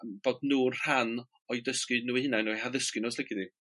Yn.. Bod nw'n rhan o'i dysgu nw 'u hunain o'u haddysgu nw os lici di.